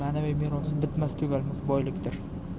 ma'naviy merosi bitmas tugalmas boylikdir